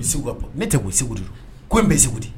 segu ka bɔ ne tɛ segu ko n bɛ segu de